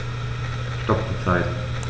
Stopp die Zeit